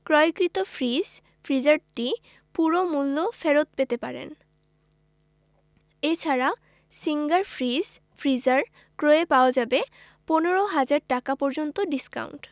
ক্রয়কৃত ফ্রিজ ফ্রিজারটির পুরো মূল্য ফেরত পেতে পারেন এ ছাড়া সিঙ্গার ফ্রিজ ফ্রিজার ক্রয়ে পাওয়া যাবে ১৫ ০০০ টাকা পর্যন্ত ডিসকাউন্ট